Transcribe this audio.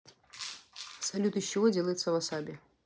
салют из чего делается васаби